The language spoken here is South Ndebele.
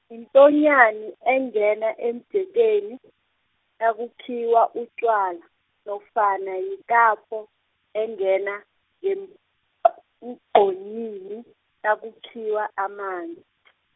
yintonyani engena emjekeni , nakukhiwa utjwala, nofana yikapho, engena ngemq- -ogqonyini, nakukhiwa aman- .